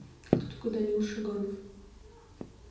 а кто такой даниил шиганов